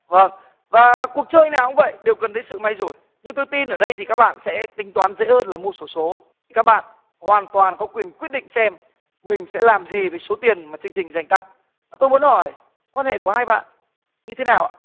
vâng và cuộc chơi nào cũng vậy đều cần đến sự may rủi nhưng tôi tin ở đây thì các bạn sẽ tính toán dễ hơn là mua xổ số các bạn hoàn toàn có quyền quyết định xem mình sẽ làm gì với số tiền mà chương trình dành tặng tôi muốn hỏi quan hệ của hai bạn như thế nào ạ